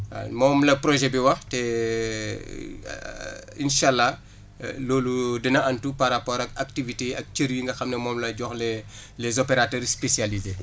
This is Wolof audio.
waaw moom la projet bi wax te incha allah loolu dina antu par rapport ak activités yi ak cër yi nga xam ne moom la ñu jox les les opérateurs spécialisé